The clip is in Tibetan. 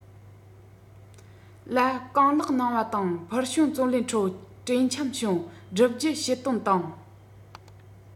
ལ གང ལེགས གནང བ དང ཕུལ བྱུང བརྩོན ལེན ཁྲོད གྲོས འཆམ བྱུང བསྒྲུབ རྒྱུ བྱེད དོན དང